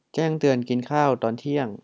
แจ้งเตือนกินข้าวตอนเที่ยง